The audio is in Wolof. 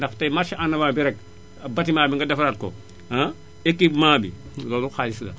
ndax tay marche en avant bi rek batimat bi nga defaraat ko ah équipement bi loolu xaalis la